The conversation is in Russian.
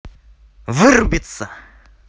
вырубиться